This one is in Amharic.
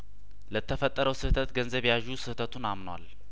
ለተፈጠረው ስህተት ገንዘብ ያዡ ስህተቱን አምኗል